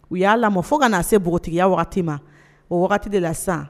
U ya lamɔ fo kana se nbogotigiya wagati ma o wagati de la sisan